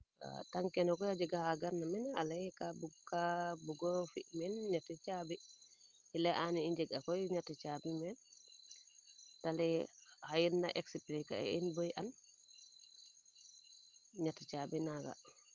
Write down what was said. tang kene koy a jega xa gar ba mene a leyee kaa bung kaa bugo fi meen ñeti caabi li lay aane i njega koy ñeti caabi meen te leye xayna expliquer a in bo i and ñeti caabi naanga